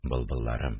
Былбылларым